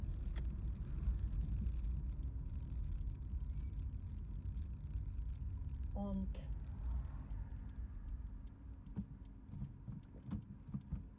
онт